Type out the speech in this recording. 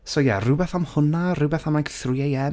So ie, rywbeth am hwnna, rywbeth am like three AM.